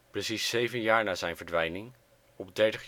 Precies zeven jaar na zijn verdwijning, op 30 juli 1982